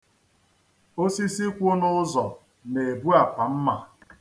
Osisi kwu n'ụzọ na-ebu apa mma. (proverb)